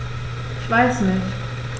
Ich weiß nicht.